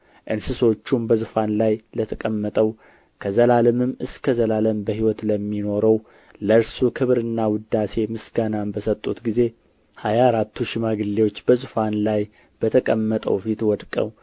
እንስሶቹም በዙፋን ላይ ለተቀመጠው ከዘላለምም እስከ ዘላለም በሕይወት ለሚኖረው ለእርሱ ክብርና ውዳሴ ምስጋናም በሰጡት ጊዜ ሀያ አራቱ ሽማግሌዎች በዙፋን ላይ በተቀመጠው ፊት ወድቀው